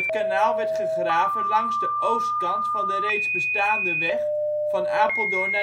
kanaal werd gegraven langs de oostkant van de reeds bestaande weg van Apeldoorn